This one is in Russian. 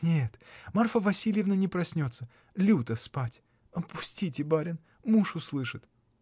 — Нет, Марфа Васильевна не проснется: люта спать! Пустите, барин — муж услышит.